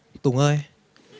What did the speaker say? tùng ơi